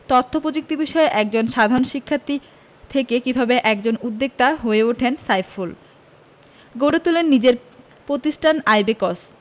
তথ্যপ্রযুক্তি বিষয়ের একজন সাধারণ শিক্ষার্থী থেকে কীভাবে একজন উদ্যোক্তা হয়ে ওঠেন সাইফুল গড়ে তোলেন নিজের প্রতিষ্ঠান আইব্যাকস